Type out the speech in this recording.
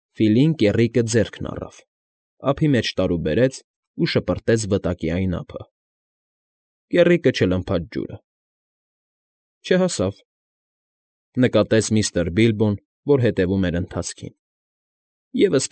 Ֆիլին կեռիկը ձեռքն առավ, ափի մեջ տարուբերեց ու շպրտեց վտակի այն ափը։ ֊ Կեռիկը չլմփաց ջուրը։ ֊ Չհասավ,֊ նկատեց Բիլբոն, որ հեռևում էր ընթացքին։֊ Եվս։